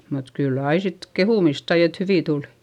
mutta kyllä aina sitten kehumista sai että hyviä tuli